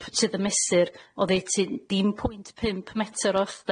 sydd yn mesur o ddeuty dim pwynt pump metr o uchder